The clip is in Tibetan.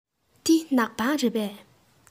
འདི ནག པང རེད པས